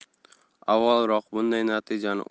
avvalroq bunday natijani uning